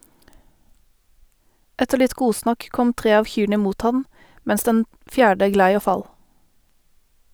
Etter litt godsnakk kom tre av kyrne mot han, mens den fjerde glei og fall.